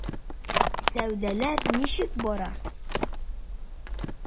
Сәүдәләр ничек бара?